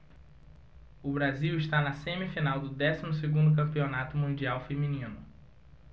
o brasil está na semifinal do décimo segundo campeonato mundial feminino